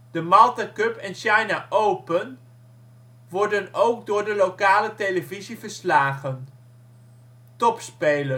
De Malta Cup en China Open worden ook door de lokale televisie verslagen